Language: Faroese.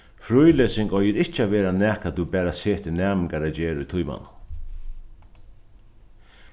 frílesing eigur ikki at vera nakað tú bara setir næmingar at gera í tímanum